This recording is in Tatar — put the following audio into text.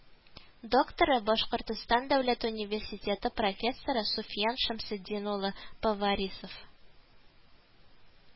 Докторы, башкортстан дәүләт университеты профессоры суфиян шәмсетдин улы поварисов